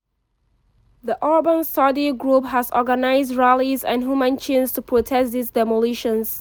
The Urban Study Group has organized rallies and human chains to protest these demolitions.